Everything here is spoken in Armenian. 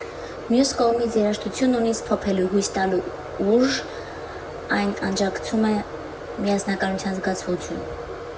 Մյուս կողմից՝ երաժշտությունն ունի սփոփելու, հույս տալու ուժ, այն առաջացնում է միասնականության զգացողություն։